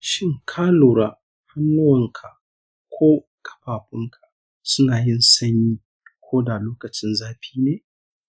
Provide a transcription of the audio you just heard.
shin ka lura hannuwanka ko ƙafafunka suna yin sanyi ko da lokacin zafi ne?